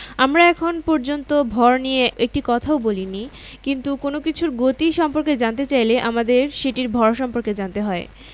আমাদের দৈনন্দিন জীবনের অভিজ্ঞতা থেকে মনে হয় যেকোনো কিছুকে সমবেগে চালিয়ে নিতে হলে ক্রমাগত বুঝি সেটাতে বল প্রয়োগ করে যেতে হয় নিউটনের প্রথম সূত্র থেকে আমরা জানতে পেরেছি সেটা সত্যি নয়